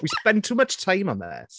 We've spent too much time on this!